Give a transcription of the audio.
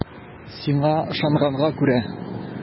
Сиңа ышанганга күрә.